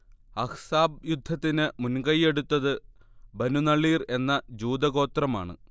അഹ്സാബ് യുദ്ധത്തിന് മുൻകൈയ്യെടുത്തത് ബനുനളീർ എന്ന ജൂതഗോത്രമാണ്